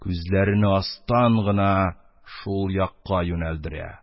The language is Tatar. Күзләрене астан гына шул якка юнәлдерә.